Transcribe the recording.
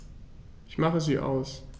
Ich mache sie aus.